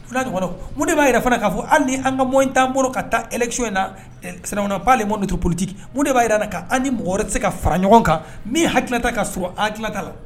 O n'a ɲɔgɔnaw mun de b'a yɛrɛ fana ka'a fɔ hali ni moyen t'an bolo ka taa election in na mun de b'a jira an na k'a fɔ ani mɔgɔ wɛrɛ tɛse ka fara ɲɔgɔn kan min hakilinata ka surun an hakilinata kan.